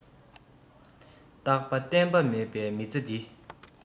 རྟག པ བརྟན པ མེད པའི མི ཚེ འདི